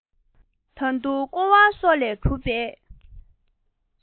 ད དུང ཀོ བ སོགས ལས གྲུབ པའི